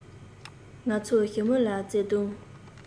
ང ཚོ ཞི མི ལ བརྩེ དུང